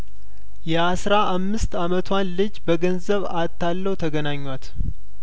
የአስራ አምስት አመቷን ልጅ በገንዘብ አታለው ተገናኟት